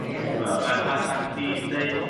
Ie. Ti'n gwbo a a ac 'di ddeud